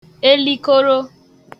elikoro